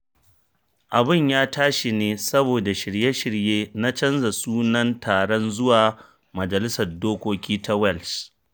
Abin ya tashi ne saboda shirye-shirye na canza sunan taron zuwa Majalisar Dokoki ta Welsh.